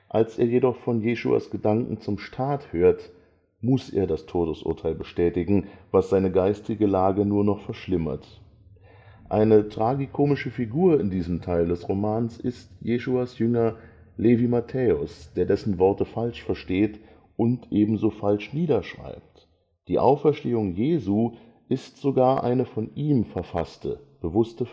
als er jedoch von Jeschuas Gedanken zum Staat hört, muss er das Todesurteil bestätigen, was seine geistige Lage nur noch verschlimmert. Eine tragikomische Figur in diesem Teil des Romans ist Jeschuas Jünger Levi Matthäus, der dessen Worte falsch versteht und ebenso falsch niederschreibt; die Auferstehung Jesu ist sogar eine von ihm verfasste bewusste